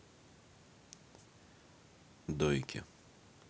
дойки